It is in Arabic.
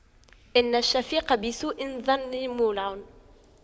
إن الشفيق بسوء ظن مولع